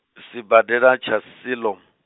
sibadela tsha Silom-.